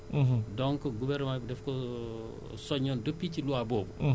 ci biir loi bi moom moo tënk assurance moo ko créer moom moo ko taxawal